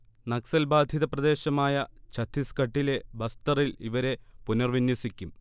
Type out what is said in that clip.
നക്സൽബാധിത പ്രദേശമായ ഛത്തീസ്ഗഢിലെ ബസ്തറിൽ ഇവരെ പുനർവിന്യസിക്കും